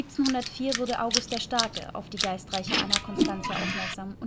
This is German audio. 1704 wurde August der Starke auf die geistreiche Anna Constantia aufmerksam